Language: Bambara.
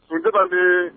Otigi ka bi